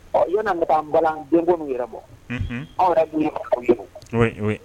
Ɔn yan ni an ka taa an balan denw ko in yɛrɛ ma Unhun anw yɛrɛ'